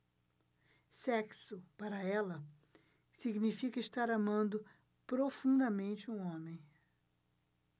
sexo para ela significa estar amando profundamente um homem